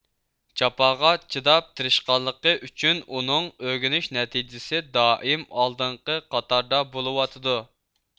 جاپاغا چىداپ تىرىشقانلىقى ئۈچۈن ئۇنىڭ ئۆگىنىش نەتىجىسى دائىم ئالدىنقى قاتاردا بولۇۋاتىدۇ